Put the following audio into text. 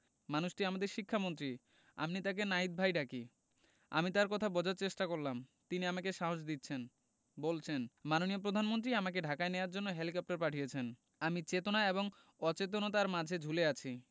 মানুষটি আমাদের শিক্ষামন্ত্রী আমি তাকে নাহিদ ভাই ডাকি আমি তার কথা বোঝার চেষ্টা করলাম তিনি আমাকে সাহস দিচ্ছেন বলছেন মাননীয় প্রধানমন্ত্রী আমাকে ঢাকায় নেওয়ার জন্য হেলিকপ্টার পাঠিয়েছেন আমি চেতনা এবং অচেতনার মাঝে ঝুলে আছি